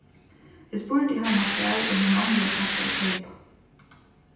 eg spurdi hana hvar ið hon vanliga plagdi at keypa